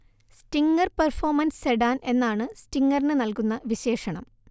Stinger performance sedan എന്നാണ് സ്റ്റിങ്ങറിന് നൽകുന്ന വിശേഷണം